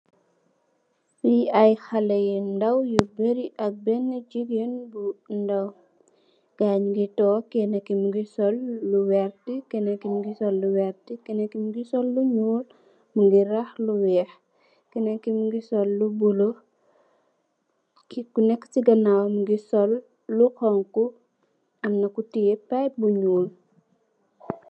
Fi ay haley yu ndaw yu bari ak benn jigéen bi ndaw. Guy nungi toog kenna mungi sol lu vert, kenen mungi sol mungi sol lu vert, kenen ki mungi sol lu ñuul mungi rah lu weeh, kenen ki sol lu bulo ku nekka ci ganaaw mungi sol lu honku, amna Ku tè pëyèp bu ñuul.